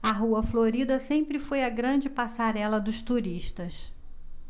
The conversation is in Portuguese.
a rua florida sempre foi a grande passarela dos turistas